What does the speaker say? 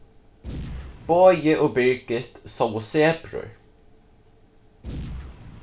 bogi og birgit sóu sebrur